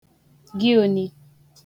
gịòni